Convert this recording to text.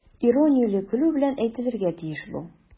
Иронияле көлү белән әйтелергә тиеш бу.